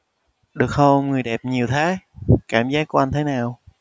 được hôn người đẹp nhiều thế cảm giác của anh thế nào